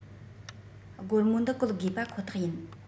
སྒོར མོ འདི བཀོལ དགོས པ ཁོ ཐག ཡིན